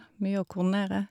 Mye å koordinere.